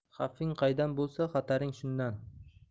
xavfing qaydan bo'lsa xataring shundan